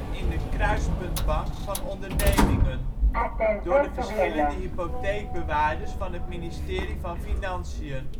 in de Kruispuntbank van Ondernemingen (KBO) door de verschillende hypotheekbewaarders van het Ministerie van Financiën